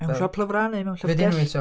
Mewn siop lyfrau neu mewn llyfrgell.